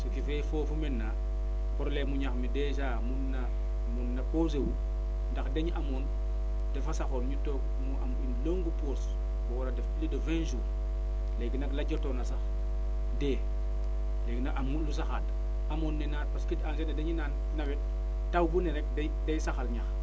ce qui fait foofu maintenant probème mu ñax mi dèjà mun naa mun na poser wu ndax dañu amoon dafa saxoon ñu toog mu am une longue pause bu war a def plus de vingt jours léegi nag la jotoon a sax dee léegi nag amul lu saxaat amul maintenant parce que engrais dañu naan nawet taw bu ne rek day day saxal ñax